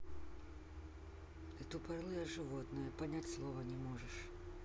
ты тупорылое животное понять слово не можешь